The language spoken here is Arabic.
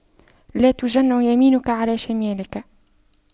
لا تجن يمينك على شمالك